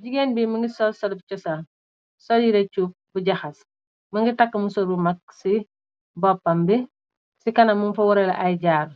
Jigéen bi mu ngi sol solup chosan. sol yireh chub bu jahas, më ngi takk musor bu mag ci boppam bi ci kana mung fa waral ay jaaru.